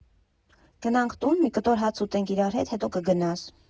«Գնանք տուն, մի կտոր հաց ուտենք իրար հետ, հետո կգնաս»։